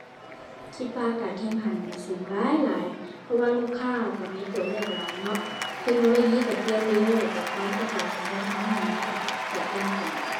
คิดว่าการแข่งขันนี่สูงหลายหลาย เพราะว่าลูกค้าก็มีตัวเลือกหลายเนาะ เทคโนโลยีก็เปลี่ยนเร็ว แล้วก็ความต้องการของคนก็นี่มันแตกต่างกัน